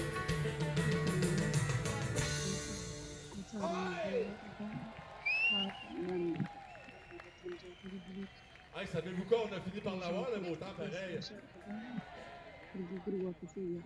Waa niman ku fadhiya kuraas oo suudaan buluug ah qabo oo horyaala laabtoobyo